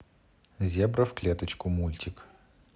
зебра в клеточку мультик